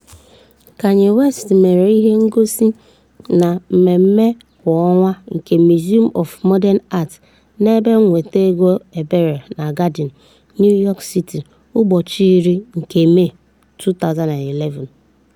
Kanye West mere ihe ngosi na Mmemme kwa ọnwa nke Museum of Modern Art n'ebe nnweta ego ebere na Garden, New York City, ụbọchị 10 nke Mee, 2011.